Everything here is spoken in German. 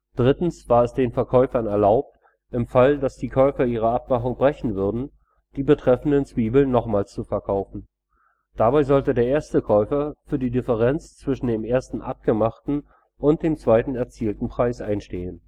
Drittens war es den Verkäufern erlaubt, im Fall, dass die Käufer ihre Abmachung brechen würden, die betreffenden Zwiebeln nochmals zu verkaufen. Dabei sollte der erste Käufer für die Differenz zwischen dem ersten abgemachten und dem zweiten erzielten Preis einstehen